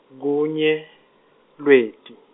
kunye, Lweti.